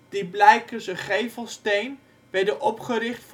die blijkens een gevelsteen werden opgericht